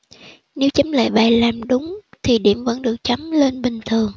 nếu chấm lại bài làm đúng thì điểm vẫn được chấm lên bình thường